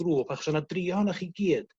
grŵp achos ona dri ohona chi gyd